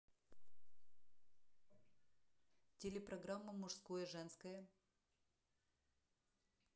телепрограмма мужское женское